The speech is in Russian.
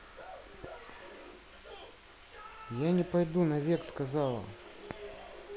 я не пойду навек сказала